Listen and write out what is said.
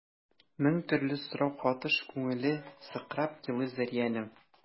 Мең төрле сорау катыш күңеле сыкрап елый Зәриянең.